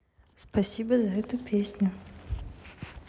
спасибо за эту песню